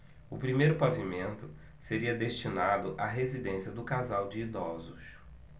o primeiro pavimento seria destinado à residência do casal de idosos